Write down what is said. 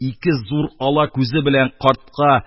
Ике зур ала күзе берлән картка